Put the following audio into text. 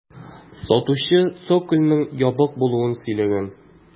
Сатучы цокольның ябык булуын сөйләгән.